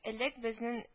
Элек безнен